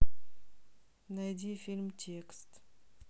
найди фильм текст